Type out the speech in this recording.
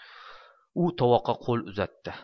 u tovoqqa qo'l uzatdi